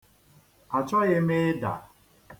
Achọghị m ịda.